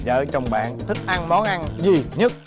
vợ chồng bạn thích ăn món ăn gì nhất